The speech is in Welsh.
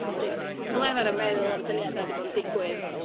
Fel dwi'n deud, dwi fel arfer yn meddwl am syniad a mae'n digwydd.